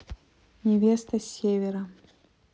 невеста с севера